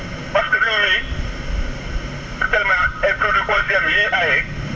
parce que * actuellement ay produits * yi ñuy aaye